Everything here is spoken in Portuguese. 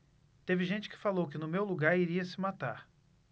teve gente que falou que no meu lugar iria se matar